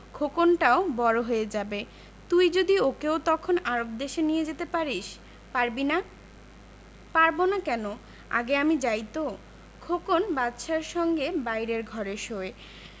খোকনটাও বড় হয়ে যাবে তুই যদি ওকেও তখন আরব দেশে নিয়ে যেতে পারিস পারবি না পারব না কেন আগে আমি যাই তো খোকন বাদশার সঙ্গে বাইরের ঘরে শোয়